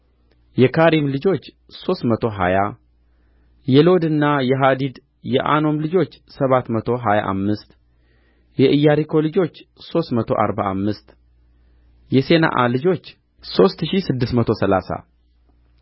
የካሪም ልጆች ሦስት መቶ ሀያ የሎድና የሐዲድ የኦኖም ልጆች ሰባት መቶ ሀያ አምስት የኢያሪኮ ልጆች ሦስት መቶ አርባ አምስት የሴናዓ ልጆች ሦስት ሺህ ስድስት መቶ ሠላሳ